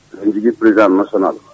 eɗen jogui président national